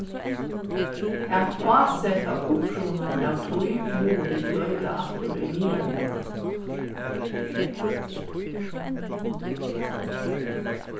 at áseta upprunan av tí mugu vit leita aftur í miðøldina